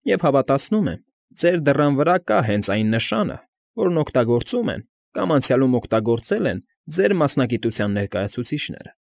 Եվ հավատացնում եմ, ձեր դռան վրա կա հենց այն նշանը, որն օգտագործում են կամ անցյալում օգտագործել են ձեր մասնագտիության ներկայացուցիչները։